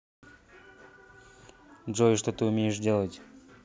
джой что ты умеешь делать